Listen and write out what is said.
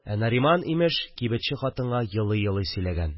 Ә Нариман, имеш, кибетче хатынга елый-елый сөйләгән